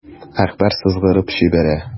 Әкбәр сызгырып җибәрә.